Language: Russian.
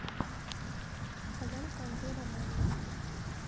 полянка андрей романович